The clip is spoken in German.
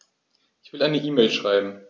Ich will eine E-Mail schreiben.